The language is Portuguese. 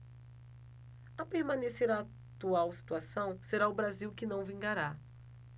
a permanecer a atual situação será o brasil que não vingará